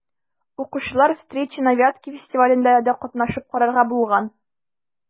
Укучылар «Встречи на Вятке» фестивалендә дә катнашып карарга булган.